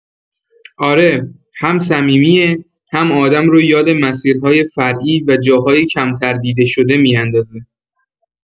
آره، هم صمیمیه، هم آدم رو یاد مسیرهای فرعی و جاهای کمتر دیده‌شده می‌اندازه.